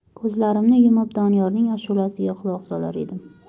ko'zlarimni yumib doniyorning ashulasiga quloq solar edim